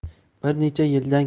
bir necha yildan